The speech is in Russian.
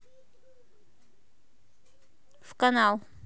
в канал